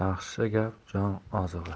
yaxshi gap jon ozig'i